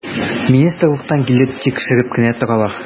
Министрлыктан килеп тикшереп кенә торалар.